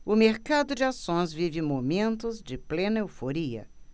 o mercado de ações vive momentos de plena euforia